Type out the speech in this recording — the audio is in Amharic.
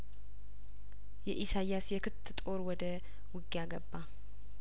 የኢሳያስ የክት ጦር ወደ ውጊያ ገባ